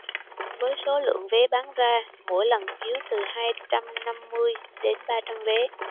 với số lượng vé bán ra mỗi lần chiếu từ hai trăm năm mươi đến ba trăm vé